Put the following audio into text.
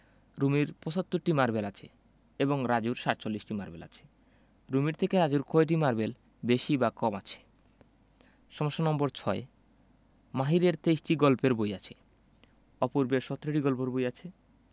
রুমির ৭৫টি মারবেল আছে এবং রাজুর ৪৭টি মারবেল আছে রুমির থেকে রাজুর কয়টি মারবেল বেশি বা কম আছে সমস্যা নম্বর ৬ মাহিরের ২৩টি গল্পের বই আছে অপূর্বের ১৭টি গল্পের বই আছে